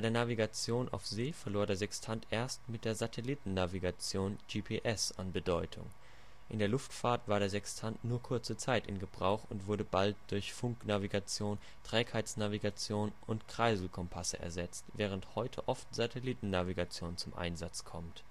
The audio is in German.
Navigation auf See verlor der Sextant erst mit der Satellitennavigation (GPS) an Bedeutung. In der Luftfahrt war der Sextant nur kurze Zeit in Gebrauch und wurde bald durch Funknavigation, Trägheitsnavigation und Kreiselkompasse ersetzt, während heute oft Satellitennavigation zum Einsatz kommt